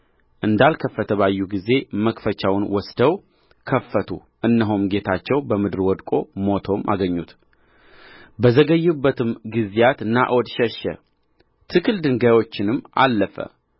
እንዳልከፈተ ባዩ ጊዜ መክፈቻውን ወስደው ከፈቱ እነሆም ጌታቸው በምድር ወድቆ ሞቶም አገኙት በዘገዩበትም ጊዜያት ናዖድ ሸሸ ትክል ድንጋዮቹንም አለፈ